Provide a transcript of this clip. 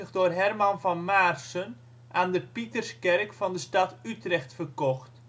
door Herman van Maarssen aan de Pieterskerk van de stad Utrecht verkocht